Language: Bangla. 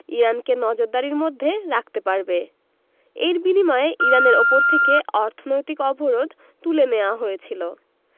ইরানকে নজরদারির মধ্যে রাখতে পারবে এর বিনিময়ে ইরানের ওপর থেকে অর্থনৈতিক অবরোধ তুলে নেওয়া হয়েছিল